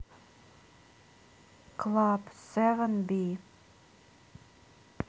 клаб севен би